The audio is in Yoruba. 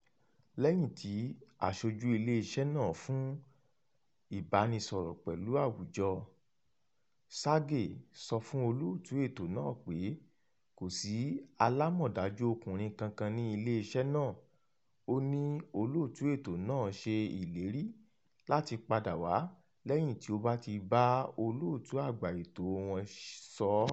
Lẹ́yìn tí aṣojú iléeṣẹ́ náà fún ìbánisọ̀rọ̀ pẹ̀lú àwùjọ, Sergey sọ fún olóòtú ètò náà pé kò sí alámọ̀dájú ọkùnrin kankan ní iléeṣẹ́ naa, ó ní olóòtú ètò náà ṣe ìlérí láti padà wá lẹ́yìn tí ó bá ti bá olóòtú àgbà ètòo wọn sọ ọ́.